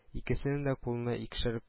Икесенең дә кулында икешәр